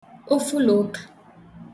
ofulụkà